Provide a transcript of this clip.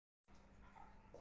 quyosh botsa yana chiqar